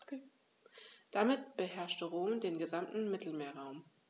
Damit beherrschte Rom den gesamten Mittelmeerraum.